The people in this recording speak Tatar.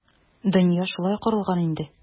Дөнья шулай корылган инде.